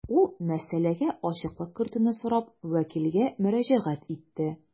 Ул мәсьәләгә ачыклык кертүне сорап вәкилгә мөрәҗәгать итте.